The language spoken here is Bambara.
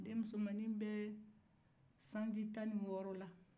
den musomannin bɛ sanji tan ni wɔɔrɔ la